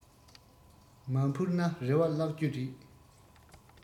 མ འཕུར ན རེ བ བརླགས རྒྱུ རེད